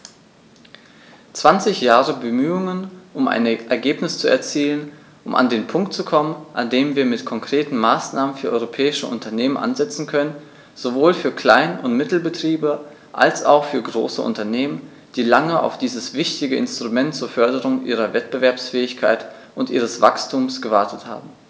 Zwanzig Jahre Bemühungen, um ein Ergebnis zu erzielen, um an den Punkt zu kommen, an dem wir mit konkreten Maßnahmen für europäische Unternehmen ansetzen können, sowohl für Klein- und Mittelbetriebe als auch für große Unternehmen, die lange auf dieses wichtige Instrument zur Förderung ihrer Wettbewerbsfähigkeit und ihres Wachstums gewartet haben.